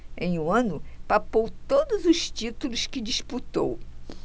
em um ano papou todos os títulos que disputou